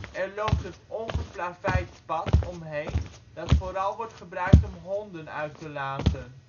Er loopt een ongeplaveid pad omheen dat vooral wordt gebruikt om honden uit te laten